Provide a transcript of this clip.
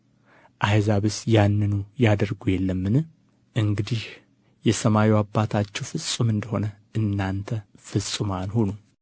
አሕዛብስ ያንኑ ያደርጉ የለምን እንግዲህ የሰማዩ አባታችሁ ፍጹም እንደ ሆነ እናንተ ፍጹማን ሁኑ